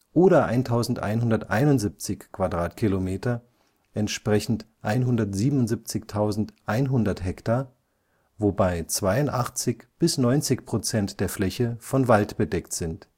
oder 1771 km² entsprechend 177.100 Hektar, wobei 82 bis 90 Prozent der Fläche von Wald bedeckt sind